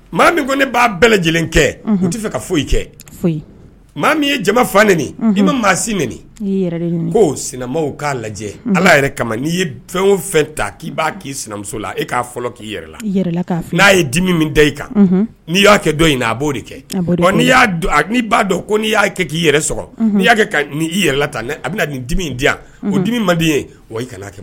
Maa min ko ne b'a bɛɛ lajɛlen kɛ n t tɛ fɛ ka foyi kɛ maa min ye jama fa ii ma maasi k'o sina k'a lajɛ ala yɛrɛ kama n'i ye fɛn o fɛn ta k'i b'a k'i sinamuso la e k'a fɔ k'i yɛrɛ la i n'a ye dimi min da i kan n'i y'a kɛ dɔn in na a b'o de kɛ n'ia a n'i'a dɔn ko'i y'a kɛ k'i yɛrɛ sɔrɔ n'i'a' yɛrɛ ta a bɛna na nin dimi di yan ko dimi man di ye wa i kana kɛ